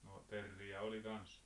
no teeriä oli kanssa